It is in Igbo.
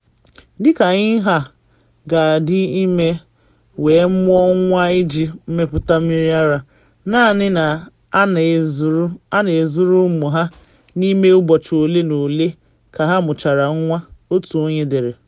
Dị ka anyị ha ga-adị ime wee mụọ nwa iji mepụta mmiri ara, naanị na a na ezuru ụmụ ha n’ime ụbọchị ole ma ole ka ha mụchara nwa,” otu onye dere.